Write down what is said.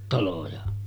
taloja